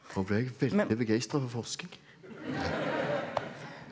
nå ble jeg veldig begeistra for forskning.